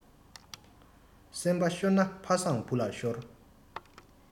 སེམས པ ཤོར ན ཕ བཟང བུ ལ ཤོར